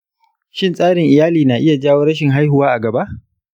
shin tsarin iyali na iya jawo rashin haihuwa a gaba?